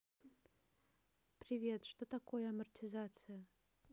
привет что такое амортизация